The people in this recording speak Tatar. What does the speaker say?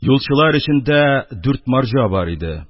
Юлчылар эчендә дүрт марҗа бар иде.